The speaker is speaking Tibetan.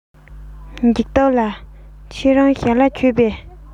འཇིགས སྟོབས ལགས ཁྱེད རང ཞལ ལག མཆོད པས